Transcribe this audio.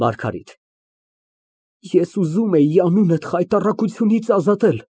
ՄԱՐԳԱՐԻՏ ֊ Ես ուզում էի անունդ խայտառակությունից ազատել։